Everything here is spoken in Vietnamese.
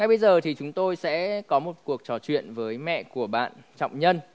bây giờ thì chúng tôi sẽ có một cuộc trò chuyện với mẹ của bạn trọng nhân